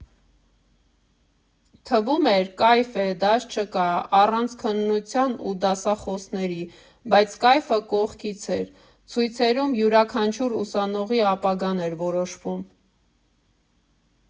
Թվում էր՝ կայֆ է, դաս չկա՝ առանց քննության ու դասախոսների, բայց կայֆը կողքից էր, ցույցերում յուրաքանչյուր ուսանողի ապագան էր որոշվում։